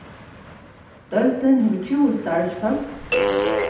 deildin hevur tjúgu starvsfólk